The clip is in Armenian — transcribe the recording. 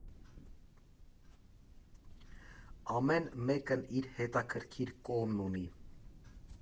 Ամեն մեկն իր հետաքրքիր կողմն ունի։